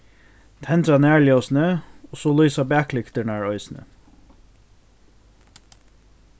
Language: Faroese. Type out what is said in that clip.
tendra nærljósini og so lýsa baklyktirnar eisini